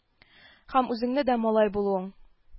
Һәм үзеңне дә малай булуың